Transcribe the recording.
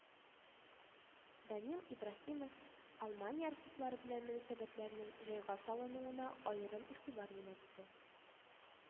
Данил Ибраһимов Алмания архивлары белән мөнәсәбәтләрнең җайга салынуына аерым игътибар юнәлтте